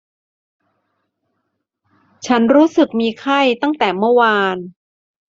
ฉันรู้สึกมีไข้ตั้งแต่เมื่อวาน